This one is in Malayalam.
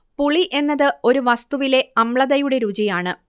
പുളി എന്നത് ഒരു വസ്തുവിലെ അമ്ളതയുടെ രുചി ആണ്